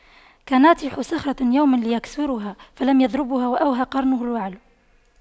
كناطح صخرة يوما ليكسرها فلم يضرها وأوهى قرنه الوعل